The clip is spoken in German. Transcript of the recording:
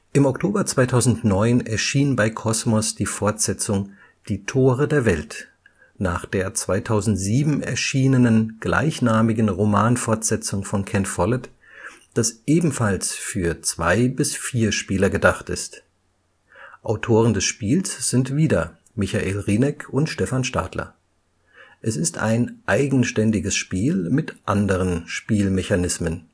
Im Oktober 2009 erschien bei Kosmos die Fortsetzung Die Tore der Welt nach der 2007 erschienenen gleichnamigen Romanfortsetzung von Ken Follett, das ebenfalls für zwei bis vier Spieler gedacht ist. Autoren des Spiels sind wieder Michael Rieneck und Stefan Stadler. Es ist ein eigenständiges Spiel mit anderen Spielmechanismen